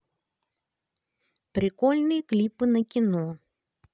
прикольные клипы на кино